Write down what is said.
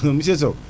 monsieur Sow